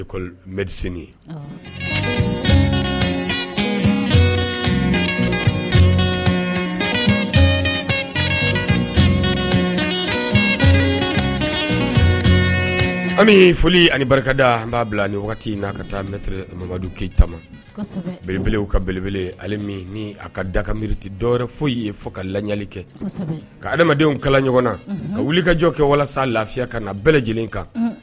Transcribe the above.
An foli ani barika da an b'a bila ni n'a ka taa mamadu keyitata belebele u ka belebele ni a ka dagaka miiriti dɔw foyi ye fo ka lali kɛ ka adamadenw kala ɲɔgɔn na a wuli kajɔ kɛ walasa lafiya ka na bɛɛ lajɛlen kan